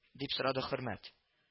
— дип сорады хөрмәт